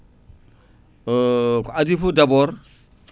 ko adi foof d' abord